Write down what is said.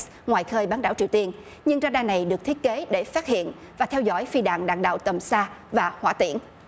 ngoài khơi bán đảo triều tiên nhưng ra đa này được thiết kế để phát hiện và theo dõi phi đạn đạn đạo tầm xa và hỏa tiễn